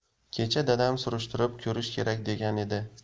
kecha dadam surishtirib ko'rish kerak degan edi